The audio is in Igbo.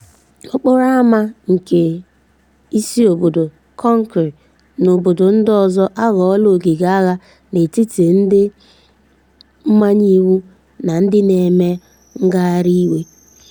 Okporo ama nke isi obodo, Conakry, na obodo ndị ọzọ aghọọla ogige agha n'etiti ndị ndị mmanye iwu na ndị na-eme ngagharị iwe.